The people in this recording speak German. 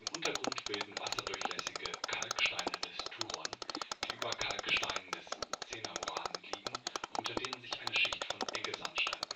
Untergrund bilden wasserdurchlässige Kalksteine des Turon, die über Kalksteinen des Cenoman liegen, unter denen sich eine Schicht von Eggesandstein